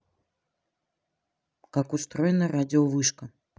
как устроена радиовышка